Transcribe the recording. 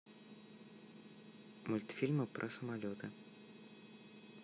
мультфильмы про самолеты